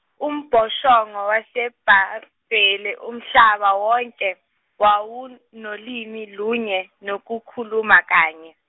umbhoshongo waseBhabhele umhlaba wonke wawunolimi lunye nokukhuluma kanye.